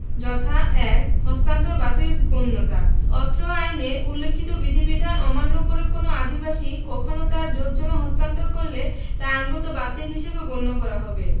যথা ১ হস্তান্তর বাতিল গণ্যতা অত্র আইনে উল্লিখিত বিধিবিধান অমান্য করে কোন আদিবাসী কখনো তার জোতজমা হস্তান্তর করলে তা আইনত বাতিল হিসেবে গণ্য করা হবে